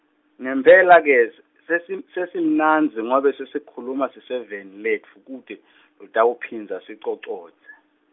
ngempela ke s-, sesi, sesimnandzi ngobe sesikhuluma siseveni letfu kute , lotawuphindze sicocodze.